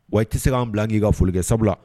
Wa i tɛ se k'an bila k'i ka foli kɛ sabula